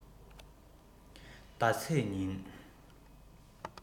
ཟླ ཚེས ཉིན